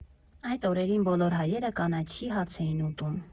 Այդ օրերին բոլոր հայերը կանաչի֊հաց էին ուտում։